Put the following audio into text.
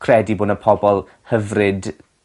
credu bo' 'na pobol hyfryd